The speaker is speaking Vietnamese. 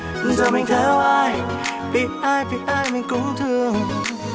giờ mình theo ai vì ai vì ai mình cũng thương